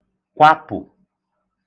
kwapụ̀